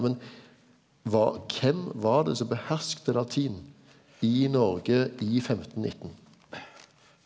men kven var det som beherska latin i Noreg i femtennitten?